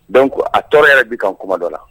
Donc a tɔɔrɔ yɛrɛ b'i kan tuma dɔ la.